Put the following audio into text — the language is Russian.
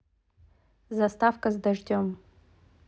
заставка с дождем